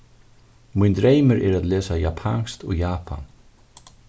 mín dreymur er at lesa japanskt í japan